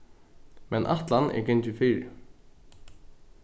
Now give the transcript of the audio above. men ætlan er gingin fyri